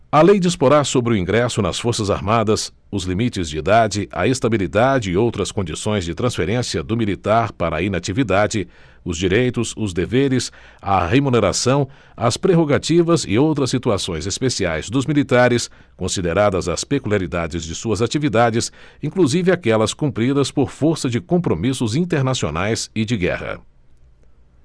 a lei disporá sobre o ingresso nas forças armadas os limites de idade a estabilidade e outras condições de transferência do militar para a inatividade os direitos os deveres a remuneração as prerrogativas e outras situações especiais dos militares consideradas as peculiaridades de suas atividades inclusive aquelas cumpridas por força de compromissos internacionais e de guerra